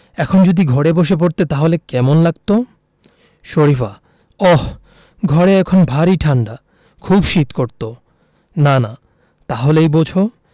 এখন যদি ঘরে বসে পড়তে তাহলে কেমন লাগত শরিফা ওহ ঘরে এখন ভারি ঠাণ্ডা খুব শীত করত নানা তা হলেই বোঝ